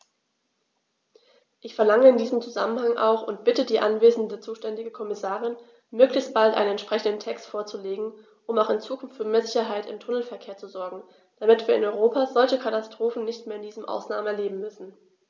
Ich verlange in diesem Zusammenhang auch und bitte die anwesende zuständige Kommissarin, möglichst bald einen entsprechenden Text vorzulegen, um auch in Zukunft für mehr Sicherheit im Tunnelverkehr zu sorgen, damit wir in Europa solche Katastrophen nicht mehr in diesem Ausmaß erleben müssen!